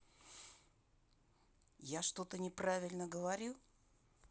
я что то неправильно говорю